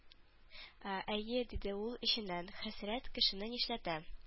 «әйе,— диде ул эченнән,—хәсрәт кешене нишләтә!»